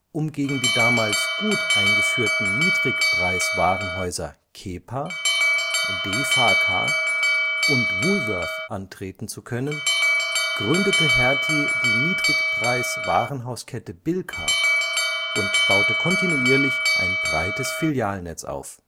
Um gegen die damals gut eingeführten Niedrigpreis-Warenhäuser „ Kepa “,„ DeFaKa “und „ Woolworth “antreten zu können, gründete Hertie die Niedrigpreis-Warenhauskette „ Bilka “und baute kontinuierlich ein breites Filialnetz auf